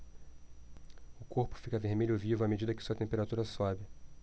o corpo fica vermelho vivo à medida que sua temperatura sobe